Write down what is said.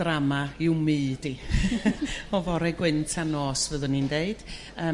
Drama yw'm myd i o fore gwyn tan nos fyddwn i'n deud yrr.